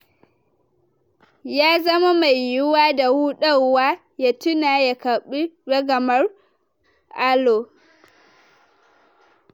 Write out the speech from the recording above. "Ya zama mai yiyuwa da rudarwa," ya tuna, ya karbi ragamar Alloa.